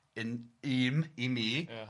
yn- ym i mi... Ia